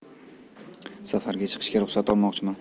safarga chiqishga ruhsat olmoqchiman